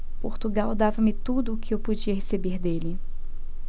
portugal dava-me tudo o que eu podia receber dele